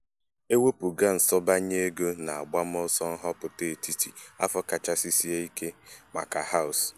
Ewepuga nsọbanye ego n’agbamọsọ nhọpụta etiti afọ kachasị sie ike maka House